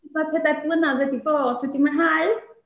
ma' pedair blynedd wedi bod? Wedi mwynhau?